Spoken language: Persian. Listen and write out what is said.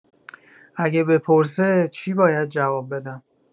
اگه بپرسه چی باید جواب بدم؟